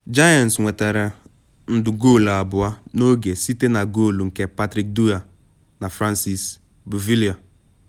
Giants nwetara ndu goolu abụọ n’oge site na goolu nke Patrick Dwyer na Francis Beauvillier.